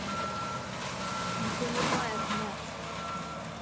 не понимает нас